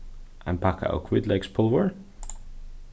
ein pakka hvítleykspulvur